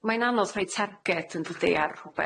Mae'n anodd rhoi targed, yn dydi, ar rhwbeth.